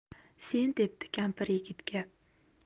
sen debdi kampir yigitga